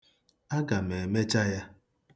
Aga m emecha ya.